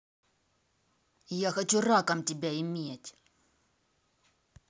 я хочу раком тебя иметь